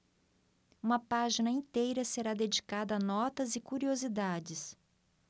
uma página inteira será dedicada a notas e curiosidades